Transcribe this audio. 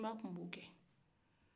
a kun bo kɛ